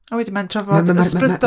A wedyn mae'n trafod ysbrydol...